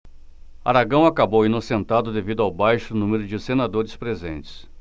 aragão acabou inocentado devido ao baixo número de senadores presentes